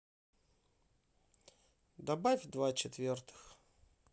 добавь два четвертых